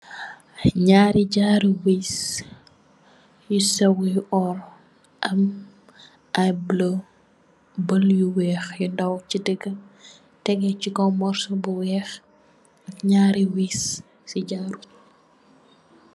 Njarri jaarou wiss yu sew yu orr, am aiiy bleu, baul yu wekh yu ndaw chi digah, tehgu chi kaw morsoh bu wekh ak njarri wiss cii jaaarou.